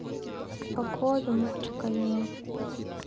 погода в махачкале